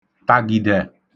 tàgìdẹ̀